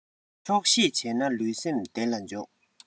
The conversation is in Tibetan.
ཆོག ཤེས བྱས ན ལུས སེམས བདེ ལ འཇོག